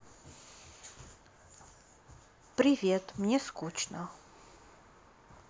привет мне скучно